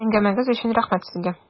Әңгәмәгез өчен рәхмәт сезгә!